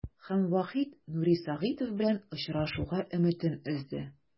Һәм Вахит Нури Сагитов белән очрашуга өметен өзде.